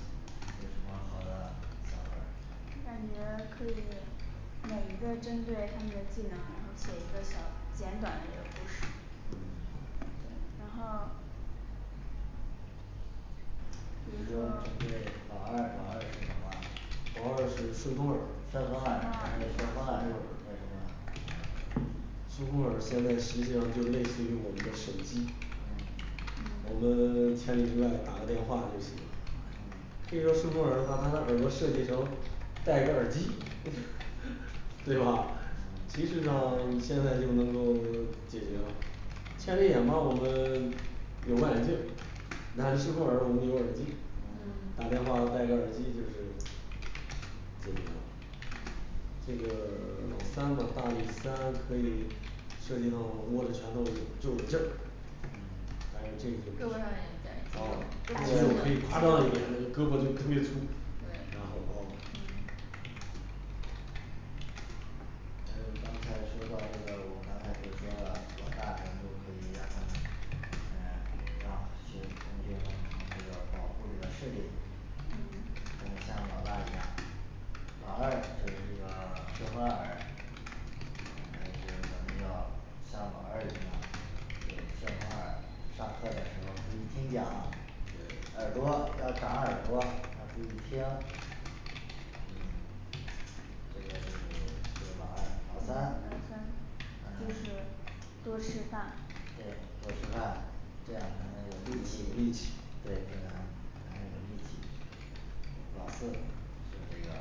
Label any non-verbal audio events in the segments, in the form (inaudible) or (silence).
有什么好的我感想觉可法以儿每一个针对他们的技能，然后说一个小的简短的一个故事。对然后比如说针对老二老二是什么，老二是顺顺风风耳耳顺风顺风耳那耳什么顺风耳现在实际上就类似于我们的手机嗯嗯我们 (silence) 千里之外打个电话就行可以把顺风耳把他的耳朵设计成戴个耳机 (noise) 对吧其实上现在就能够解决了千里眼嘛，我们用望远镜，然后顺风耳我们有耳机嗯。打电话戴个耳机就是这些啦嗯这个 (silence) 老三的大力三可以设计成握着拳头就有劲儿嗯还有那胳膊上也有一点儿肌肉我们就可以夸张一点就胳膊就特别粗对拿，好包嗯嘛呃刚才说到这个我刚才不是说了，老大咱就可以让他嗯学同学们从这个保护这个视力嗯才能像老大一样。老二就是这个顺风耳嗯还有就是咱们要，像老二一样有个顺风耳上课的时候儿注意听讲耳朵要长耳朵要注意听嗯这个是就是老二老老三三，就对是多多吃吃饭饭这样才能有有力力气气，对这样才能有力气老四是这个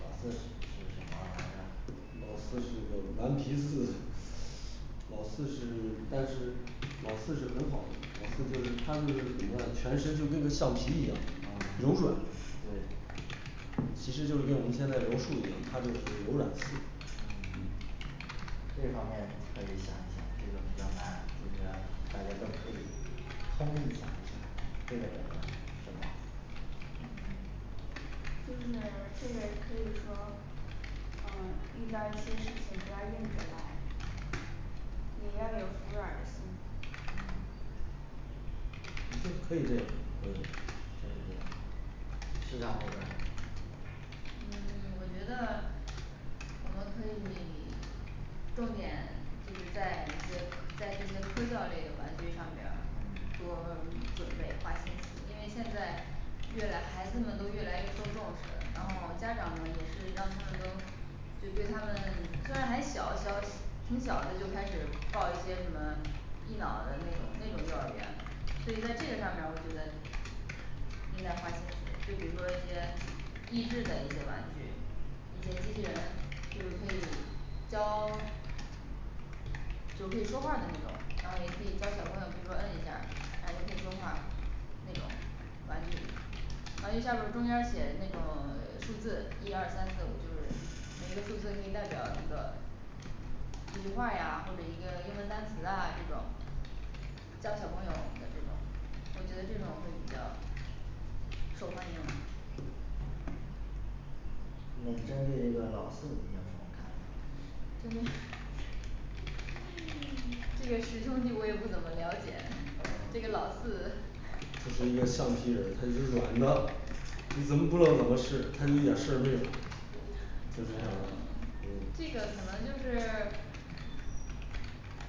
老四是是什么来着老四是个顽皮四老四是但是老四是很好的老四就是他就是什么啊全身就跟个橡皮一样啊，对柔软其实就是跟我们现在柔术一样，他就是柔软术嗯 (silence) 这方面可以想一想这个比较难就是说大家都可以通力想一想这个怎么样这个嗯 (silence) 就是这个可以说嗯遇到一些事情不要硬着来你要有服软的心，你这可以这样。对可以这样市场这边儿嗯 (silence) 我觉得我们可以 (silence) 重点就是在一个在这些科教类的玩具上边儿嗯多准备花钱，因为现在越来孩子们都越来越受重视，然嗯后家长们也是让他们都就对他们虽然还小小挺小的，就开始报一些什么益脑的那种那种幼儿园。所以在这个上面我觉得应该发掘就比如说一些益智的一些玩具一些机器人，就是可以教 (silence) 就可以说话儿的那种然后也可以教小朋友比如说摁一下儿也可以说话儿那种玩具。玩具下边儿中间儿写那种 (silence) 数字一二三四五就是每个数字可以代表一个一句话呀或者一个英文单词啊这种小朋友的朋友我觉得这种会比较受欢迎。那针对这个老四你有什么看法嗯 (noise) 这个十兄弟我也不怎么了解这个老啊就四这是一个橡皮人儿，他就是软的你怎么拨拉怎么是他一点儿事儿没有。这个可能就是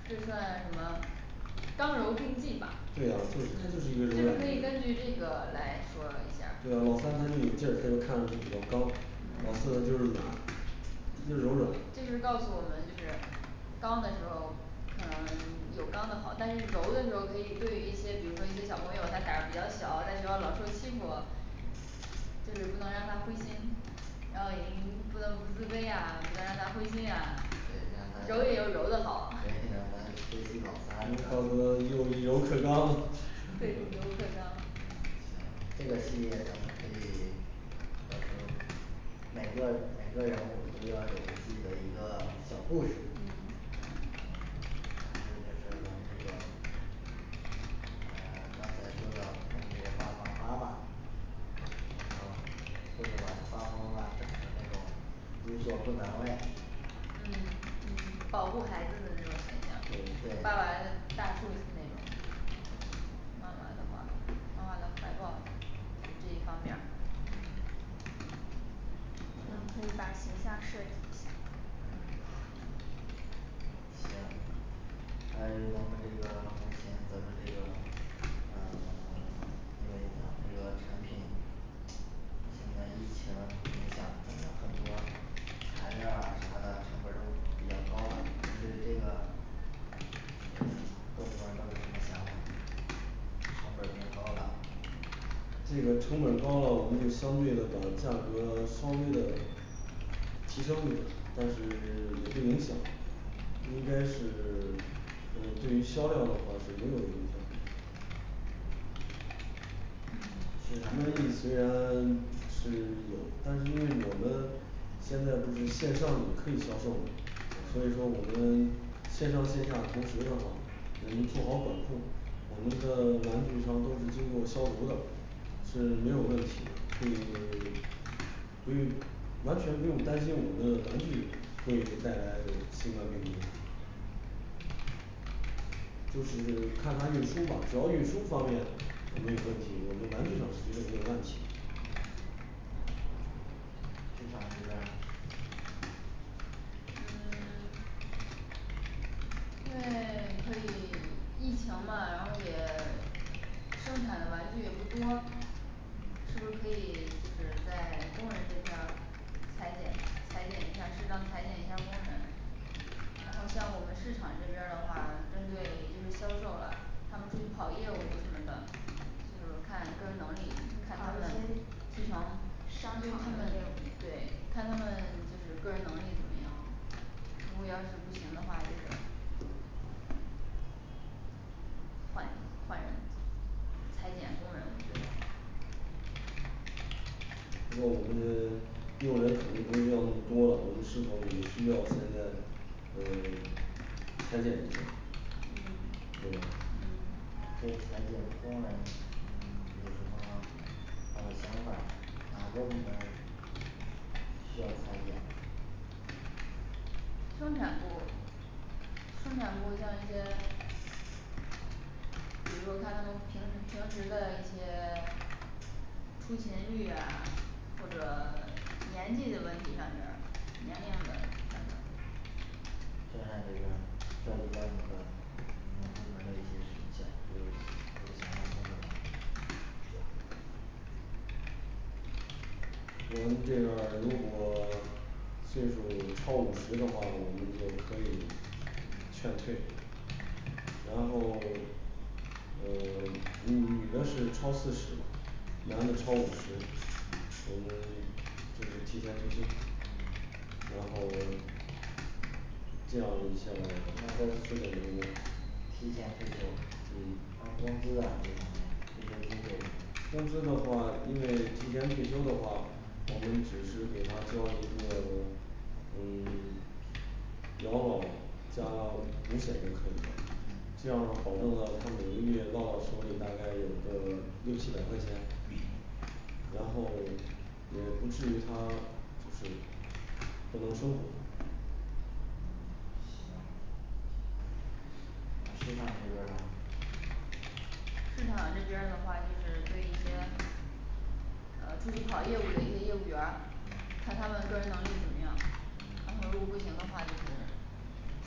这算什么刚柔并济吧，就对啊他就是他就是一个柔是软可以根据这的个来说一下儿对啊老三他就有劲儿所以看着比较刚老四呢就是软就是柔软就是告诉我们就是刚的时候嗯有刚的好，但是柔的时候可以对于比如说一些小朋友他胆儿比较小，在学校老受欺负就是不能让他灰心，然后已经不能不自卑啊，不能让他灰心呀让他对让，柔也有柔的好 (noise) 他学习用以柔克刚对以柔克刚这个事业咱们可以到时候儿每个每个人物儿都要有自己的一个小故事嗯还有就是我们这个呃上课是为了为了当好妈妈无所不能嘞嗯保护孩子的那种形象，爸爸对是大树的那种妈妈的话，妈妈的怀抱就这一方面儿嗯咱们可以把形象设计一下儿嗯行还有这个目前咱们这个呃 (silence) 因为咱们这个产品现在疫情影响我们很多材料啊啥的成本儿都比较高的，就是这个各部门儿都有什么想法成本儿变高了这个成本高了，我们就相对的把价格稍微的提升了，但是 (silence) 也不影响。应该是对于销量的话是没有影响其他的一些是有，但是因为我们现在不是线上也可以销售吗？所对以说我们线上线下同时的话能做好管控，我们的玩具商都是经过消毒的是没有问题的，可以 (silence) 不用完全不用担心我们的玩具会带来新冠病毒嗯就是看他运输吧只要运输方面没有问题，我们玩具上是绝对没有问题市场这边因为可以疫情嘛，而且也生产的玩具也不多嗯是不是可以是在工人这块儿裁减，裁减一下儿，适当裁减一下儿工人然后像我们市场这边的话，针对因为销售啊，他们就跑业务什么的就是看个人能力找一，开发的些提成商场的业，务对，看他们就是个人能力怎么样如果要是不行的话就换换人，裁减工人，我觉得那我们的用人可能不一定要那么多了，我们是否也需要现在嗯裁减一下，对吧嗯在调解方案。嗯有什么方法或者想法儿，哪个部门需要裁剪的生产部生产部像一些比如说看他们平时平时的一些出勤率啊，或者年纪的问题上面儿，年龄的上边儿生产这边儿涉及到你的你们部门儿的一些申请，有有想要说的吗我们这边儿如果岁数超五十的话，我们就可以劝退然后呃女女的是超四十吧男的超五十。我们就是提前退休然后这样的一下那咱儿缩减嗯提前退员休工，嗯那工资啊这方面退休金这方面工资的话，因为提前退休的话，我们只是给他交一个嗯 (silence) 养老加五险就可以了这样保证了他每个月到手里大概有个六七百块钱然后也不至于他就是不能生活嗯行那市场这边儿呢市场这边儿的话就是对一些啊出去跑业务的一些业务员儿，看他们个人能力怎么样，然后如果不行的话，就是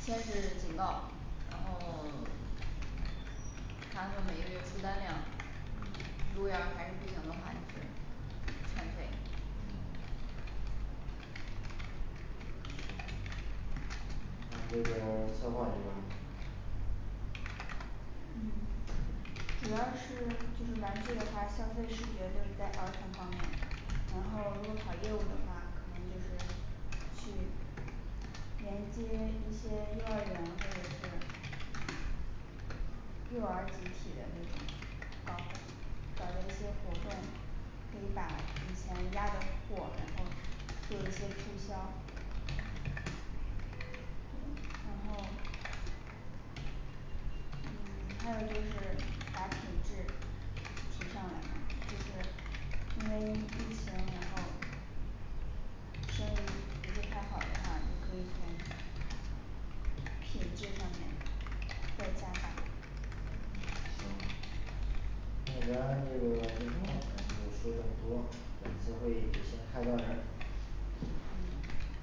先是警告，然后 (silence) 看他们每个月出单量，如果要是还是不行的话就是劝退嗯那这边儿策划这边儿嗯主要是就是玩具的话，消费视觉就是在儿童方面，然后如果跑业务的话，可能就是去连接一些幼儿园或者是幼儿集体的那种。 搞活。搞了一些活动可以把以前压的货，然后做一些促销嗯呃然后嗯还有就是把品质提上来嘛。就是因为疫情然后生意不是太好的话，就可以从品质上面再加大嗯行那咱这个今天咱们就说这么多。本次会议就先开到这儿嗯